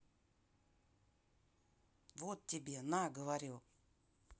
вот тебе на говорю